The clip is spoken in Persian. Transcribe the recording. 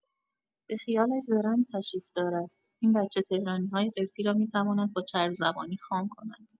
به خیالش زرنگ تشریف دارد، این بچه تهرانی‌های قرطی را می‌تواند با چرب‌زبانی خام کند.